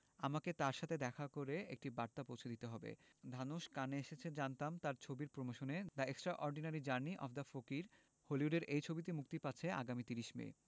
আমাকে তার সাথে দেখা করে একটি বার্তা পৌঁছে দিতে হবে ধানুশ কানে এসেছে জানতাম তার ছবির প্রমোশনে the extraordinary journey of the fakir হলিউডের এই ছবিটি মুক্তি পাচ্ছে আগামী ৩০ মে